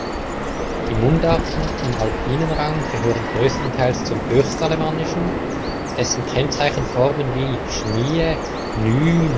Die Mundarten im alpinen Raum gehören größtenteils zum Höchstalemannischen, dessen Kennzeichen Formen wie schnyyä, nüü